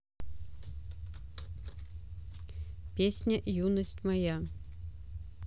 песня юность моя